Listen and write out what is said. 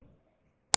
སློབ ཐོན སློབ མ